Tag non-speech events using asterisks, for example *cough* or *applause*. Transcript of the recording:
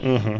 *hesitation* *hesitation*